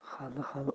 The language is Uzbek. ha hali uloqda